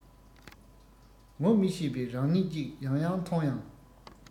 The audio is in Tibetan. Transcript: ངོ མི ཤེས པའི རང ཉིད ཅིག ཡང ཡང མཐོང ཡང